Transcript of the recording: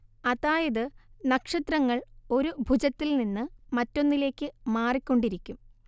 അതായത് നക്ഷത്രങ്ങൾ ഒരു ഭുജത്തിൽ നിന്ന് മറ്റൊന്നിലേക്ക് മാറിക്കൊണ്ടിരിക്കും